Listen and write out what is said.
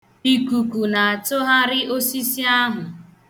Ikuku na-atụgharị osisi ahụ.